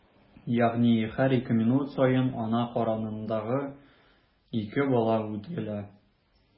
Ягъни һәр ике минут саен ана карынындагы ике бала үтерелә.